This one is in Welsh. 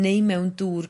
neu mewn dŵr